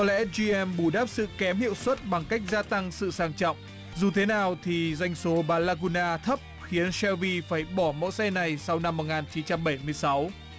có lẽ di em bù đắp sự kém hiệu suất bằng cách gia tăng sự sang trọng dù thế nào thì doanh số bán la gun na thấp khiến seo pi phải bỏ mẫu xe này sau năm một nghìn chín trăm bảy mươi sáu